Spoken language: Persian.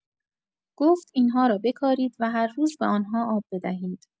گفت: «این‌ها را بکارید و هر روز به آن‌ها آب بدهید.»